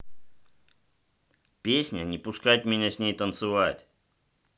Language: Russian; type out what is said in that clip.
песня не пускать меня с ней танцевать